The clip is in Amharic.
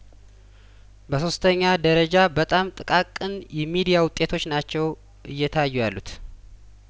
በሶስተኛ ደረጃ በጣም ጥቃቅን የሚዲያ ውጤቶች ናቸው እየታዩ ያሉት